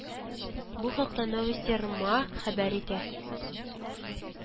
Бу хакта Новости РэМэА хәбәр итә